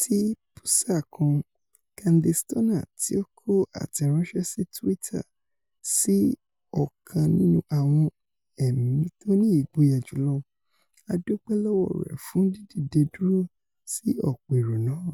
TPUSA kan, Candace Turner tí ó kọ àtẹ̀ránṣẹ́ si tweeter: ''Sí ọ̀kan nínú àwọn ẹ̀mí tóní ìgboyà jùlọ: ''A DÚPẸ́ LỌ́WỌ́ RẸ FÚN DÍDÌDE DÚRÓ SÍ Ọ̀PỌ̀ ÈRÒ NÁÀ.''